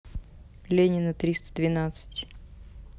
ленина триста двенадцать